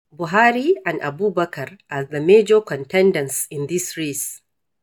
Buhari and Abubakar are the major contenders in this race.